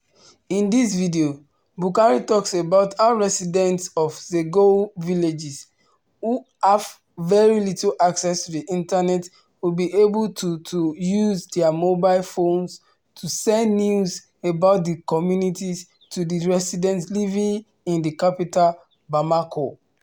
In this video, Boukary talks about how residents of Ségou villages, who have very little access to the internet will be able to to use their mobile phones to send news about the communities to the residents living in the capital Bamako.